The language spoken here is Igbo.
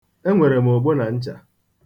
Enwere m ogbo na ncha.